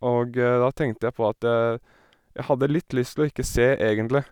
Og da tenkte jeg på at jeg jeg hadde litt lyst til å ikke se, egentlig.